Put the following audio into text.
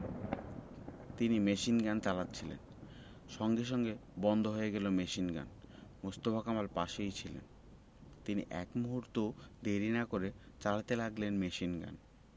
তিনি মেশিনগান চালাচ্ছিলেন সঙ্গে সঙ্গে বন্ধ হয়ে গেল মেশিনগান মোস্তফা কামাল পাশেই ছিলেন তিনি এক মুহূর্তও দেরি না করে চালাতে লাগলেন মেশিনগান